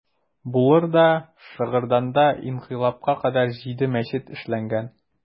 Булыр да, Шыгырданда инкыйлабка кадәр җиде мәчет эшләгән.